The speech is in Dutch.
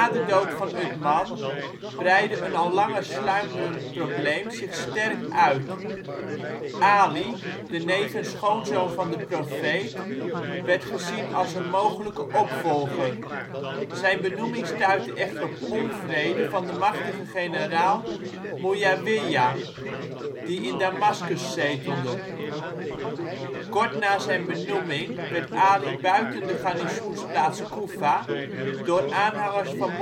dood van Uthman breidde een al langer sluimerend probleem zich sterk uit. Ali, de neef en schoonzoon van de profeet, werd gezien als een mogelijke opvolger. Zijn benoeming stuitte echter op onvrede van de machtige generaal Muawiyya, die in Damascus zetelde. Kort na zijn benoeming werd Ali buiten de garnizoensplaats Koefa door aanhangers van